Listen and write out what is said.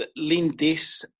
yy lindys